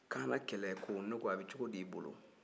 kaana kɛlɛ ko ne ko a bɛ cogodi i bolo